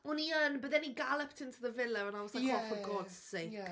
O'n i yn but then he galloped into the villa and I was like, oh for God's sake.... Ie.